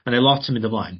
ma' 'ne lot yn mynd ymlaen.